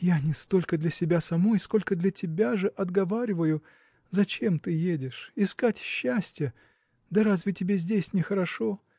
– Я не столько для себя самой, сколько для тебя же отговариваю. Зачем ты едешь? Искать счастья? Да разве тебе здесь нехорошо?